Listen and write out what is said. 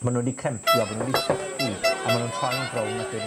ma' nw 'di crempio bod nw 'di sychu, a ma' nw'n troi'n frown, ac wedyn